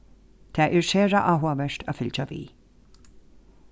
tað er sera áhugavert at fylgja við